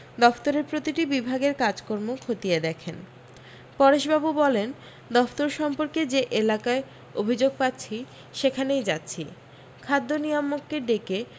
দফতরের প্রতিটি বিভাগের কাজকর্ম খতিয়ে দেখেন পরেশবাবু বলেন দফতর সম্পর্কে যে এলাকায় অভি্যোগ পাচ্ছি সেখানেই যাচ্ছি খাদ্য নিয়ামককে ডেকে